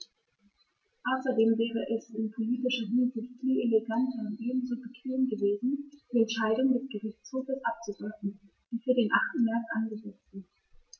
Außerdem wäre es in politischer Hinsicht viel eleganter und ebenso bequem gewesen, die Entscheidung des Gerichtshofs abzuwarten, die für den 8. März angesetzt ist.